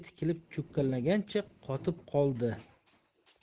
tikilib cho'kkalagancha qotib qoldi